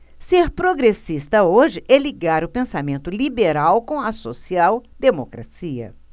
ser progressista hoje é ligar o pensamento liberal com a social democracia